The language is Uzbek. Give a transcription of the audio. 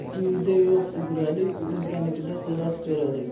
uyida yo'q ugralik o'zganikida qilar to'ralik